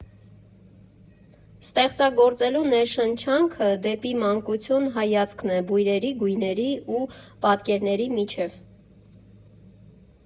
Ստեղծագործելու ներշնչանքը դեպի մանկություն հայացքն է՝ բույրերի, գույների ու պատկերների միջև։